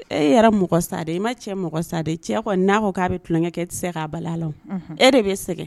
E yɛrɛ mɔgɔ sa de e ma cɛ mɔgɔ sa cɛ n'a ko k'a bɛ tulonkɛ tɛ se k'a bala la e de bɛ sɛgɛn